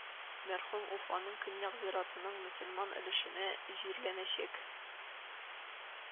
Мәрхүм Уфаның Көньяк зиратының мөселман өлешенә җирләнәчәк